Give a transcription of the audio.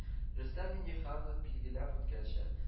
Рөстәм Миңнеханов билгеләп үткәнчә